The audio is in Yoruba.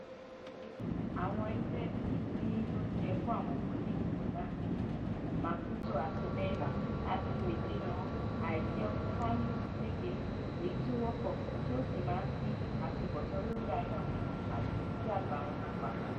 A ti ṣí àwọn ilè ìfún-ni-lóúnjẹ fún àwọn ọmọdé ní Mozambique (Maputo àti Beira) láti dènà àìjẹunkánú ní kékeré, èyí tí ó wọ́pọ̀ tí ó sì máa ń ní àtunbọ̀tán lórí ayé àwọn ọmọ àti dídàgbà wọn lápapọ̀.